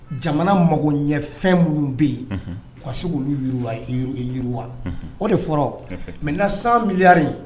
Jamana mago ɲɛ fɛn minnu bɛ yen pasi oluwayewa o de fɔra mɛ na sa miliyari